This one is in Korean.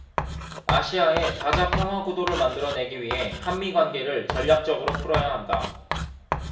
아시아의 다자 평화구도를 만들어 내기 위해 한 미 관계를 전략적으로 풀어야 한다